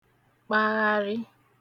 kpagharị